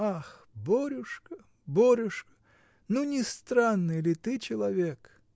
Ах, Борюшка, Борюшка, ну, не странный ли ты человек!